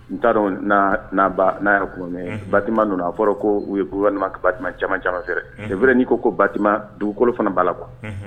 N taaraa n'a kunkɛ bama donna a fɔra ko u ye ka bati caman caman fɛɛrɛb n'i ko bati dugukolo fana bala la kuwa